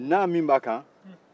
na min b'a kan